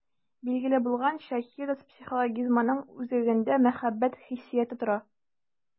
Билгеле булганча, хирыс психологизмының үзәгендә мәхәббәт хиссияте тора.